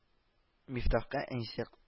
Мифтахка әнисе